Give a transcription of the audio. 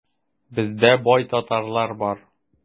Бездә бай татарлар бар.